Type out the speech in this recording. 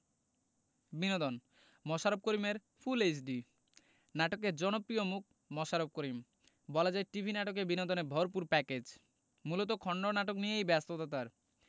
বিনোদন মোশাররফ করিমের full HD নাটকের জনপ্রিয় মুখ মোশাররফ করিম বলা যায় টিভি নাটকে বিনোদনে ভরপুর প্যাকেজ মূলত খণ্ডনাটক নিয়েই ব্যস্ততা তার